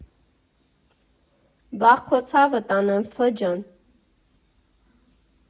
Վայ քո ցավը տանեմ, Ֆը ջան։